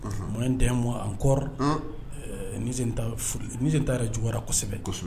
Makan n den bɔ an kɔrɔ ta juwayara kosɛbɛ